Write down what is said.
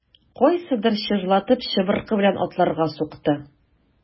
Кайсыдыр чыжлатып чыбыркы белән атларга сукты.